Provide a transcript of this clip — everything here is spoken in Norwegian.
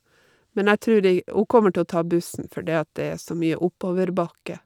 Men jeg trur i hun kommer til å ta bussen, fordi at det er så mye oppoverbakke.